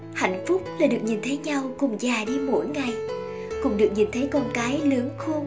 hạnh phúc là được nhìn thấy nhau cùng già đi mỗi ngày cùng được nhìn thấy con cái lớn khôn